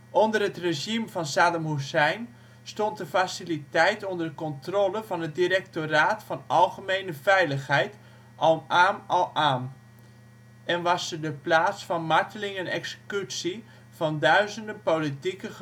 Onder het regime van Saddam Hussein stond de faciliteit onder de controle van het Directoraat van Algemene Veiligheid (al-Amn al-amm) en was ze de plaats van marteling en executie van duizenden politieke